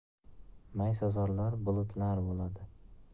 maysazorlar bulutlar bo'ladi